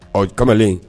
kamalen